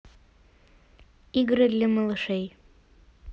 игры для малышей